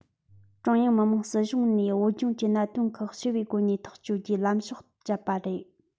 ཀྲུང དབྱངས མི དམངས སྲིད གཞུང ནས བོད ལྗོངས ཀྱི གནད དོན ཁག ཞི བའི སྒོ ནས ཐག གཅོད རྒྱུའི ལམ ཕྱོགས སྤྱད པ རེད